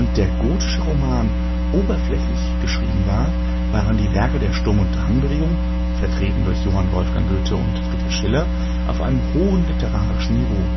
der gotische Roman oberflächlich geschrieben war, waren die Werke der Sturm-und-Drang-Bewegung, vertreten durch Johann Wolfgang Goethe und Friedrich Schiller auf einem hohen literarischen Niveau